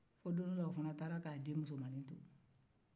fo don dɔ la o fana taara k'a denmuso mandi to